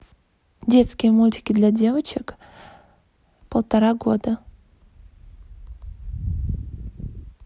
детские мультики для девочек полтора года